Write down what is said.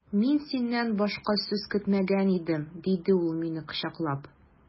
Мин синнән башка сүз көтмәгән идем, диде ул мине кочаклап.